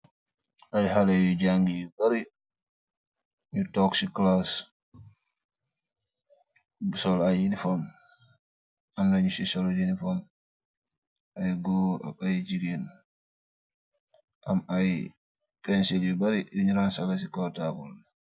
Ay xale yuy jàngi yu bari, ñu toox ci kalass, di sol ay yiniforn. Am ñousi si solut yunifom. Ay góor ak ay jigeen, am ay pensil yu bari yuñge ranksale ci kow taabul bi.